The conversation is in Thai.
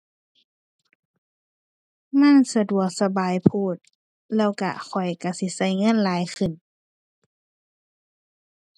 มันสะดวกสบายโพด แล้วก็ข้อยก็สิก็เงินหลายขึ้น